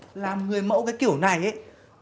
làm người mẫu cái kiểu này ý